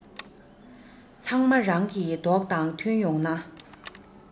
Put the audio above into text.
ཚང མ རང གི མདོག དང མཐུན ཡོང ངོ